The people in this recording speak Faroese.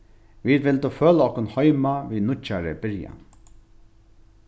vit vildu føla okkum heima við nýggjari byrjan